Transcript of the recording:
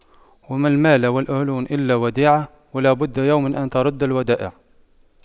وما المال والأهلون إلا وديعة ولا بد يوما أن تُرَدَّ الودائع